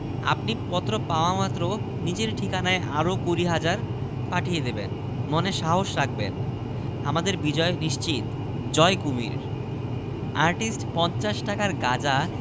আপনার মনের মিল রেখে কুমীর আঁকতে হলে তো কুচকুচে কালাে রঙের কুমীর আঁকতে হয় সিদ্দিক সাহেব অনেক কষ্টে রাগ সামলে বললেন কুমীরের লেজ থাকে বলে জানতাম